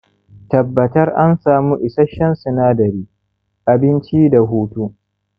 tabbatar an samu isasshen sinadari-abinci da hutu